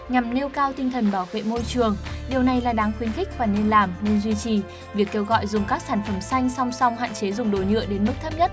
nhằm nêu cao tinh thần bảo vệ môi trường điều này là đáng khuyến khích và nên làm như duy trì việc kêu gọi dùng các sản phẩm xanh song song hạn chế dùng đồ nhựa đến mức thấp nhất